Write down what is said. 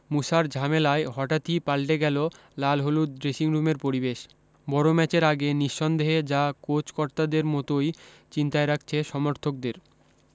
মুসার ঝামেলায় হঠাতি পাল্টে গেল লালহলুদ ড্রেসিংরুমের পরিবেশ বড় ম্যাচের আগে নিসন্দেহে যা কোচ কর্তাদের মতোই চিন্তায় রাখছে সমর্থকদের